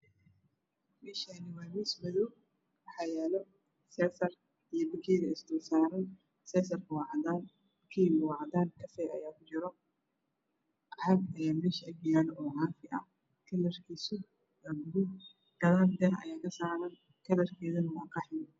Meshan waa mis madow waxa yaalo seysar iyo bekeri isdulsaray seysarkawaa cadan bekeriga waa cadan kafey ayaakujira cag mesha agyalo ocafi ahkalarkisu waabulug gadal dah ayaakasarankalar kedu waa qaxwi